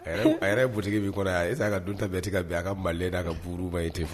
A yɛrɛ butigi' kɔrɔ yan e se a ka dun ta bɛɛti ka bin a ka malile da a ka buruba ye tɛ fɔ